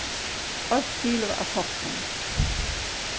eitt kilo av soppum